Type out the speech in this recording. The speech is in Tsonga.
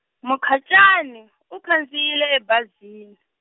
Mukhacani , u khandziyile ebazini.